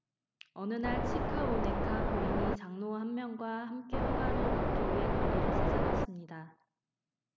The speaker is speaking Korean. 어느 날 치카오네카 부인이 장로 한 명과 함께 허가를 받기 위해 관리를 찾아갔습니다